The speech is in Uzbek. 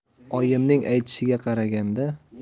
oyimning aytishiga qaraganda